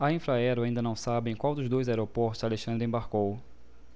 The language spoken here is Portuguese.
a infraero ainda não sabe em qual dos dois aeroportos alexandre embarcou